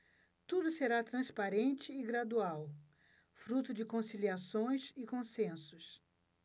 tudo será transparente e gradual fruto de conciliações e consensos